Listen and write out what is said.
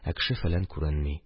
Ә кеше-фәлән күренми